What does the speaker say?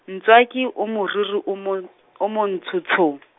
Ntswaki o moriri o mon- , o Montsho tsho .